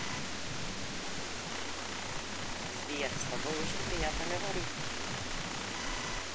сбер с тобой очень приятно говорить